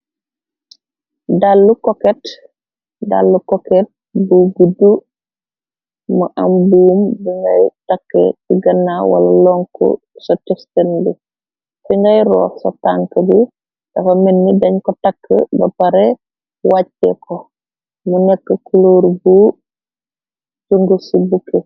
Dall koket bu gidd mu am buum bunay tàkke ci ganna wala loŋk so tëstën bi ci ngay roof sa tank bi dafa metni dañ ko tàkk ba pare wàjcee ko mu nekk kuluur bu jung ci bukke.